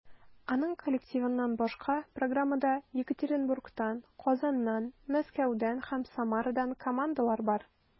Аның коллективыннан башка, программада Екатеринбургтан, Казаннан, Мәскәүдән һәм Самарадан командалар бар.